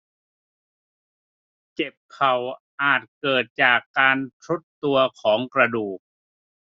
เจ็บเข่าอาจเกิดจากการทรุดตัวของกระดูก